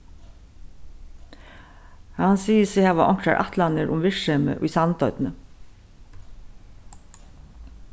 hann sigur seg hava onkrar ætlanir um virksemi í sandoynni